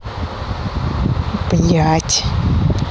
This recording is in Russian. блядь